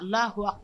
Alahuwa